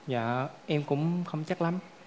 dạ em cũng không chắc lắm